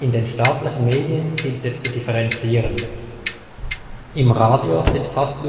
den staatlichen Medien gilt es zu differenzieren: Im Radio sind fast